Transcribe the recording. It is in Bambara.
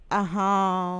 Ahɔn